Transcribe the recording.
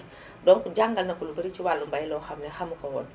donc jàngal na ko lu bari ci wàllu mbay loo xam ne xamuko woon